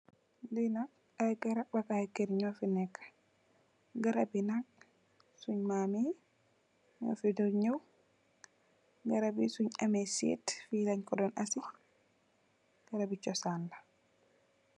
Liinak ayy garab ak ayy Kerr ñoffi nekk garab bi nak suñ mamyi ñofidon ñow garab yi suñ ameh sedd fii lenkodon assun garabi chosanla.